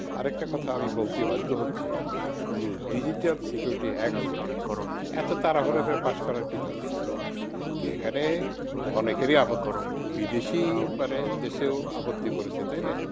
আরেকটা কথা আমি বলতে বাধ্য হচ্ছি যে ডিজিটাল সিকিউরিটি অ্যাক্ট যেটা এত তাড়াহুড়া করে পাশ করবার দরকার কি ছিল এখানে অনেকেরই আপত্তি বিদেশী মানে দেশেও আপত্তি করেছে তাই না